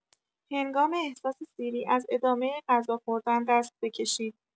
هنگام احساس سیری از ادامه غذا خوردن دست بکشید.